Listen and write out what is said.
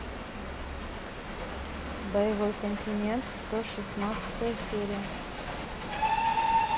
боевой континент сто шестнадцатая серия